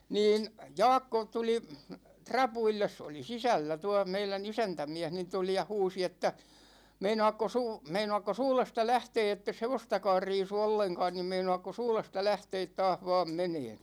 niin Jaakko tuli rapuille se oli sisällä tuo meidän isäntämies niin tuli ja huusi että meinaatkos - meinaatkos uudesta lähteä että et hevostakaan riisu ollenkaan niin meinaatkos uudesta lähteä taas vain menemään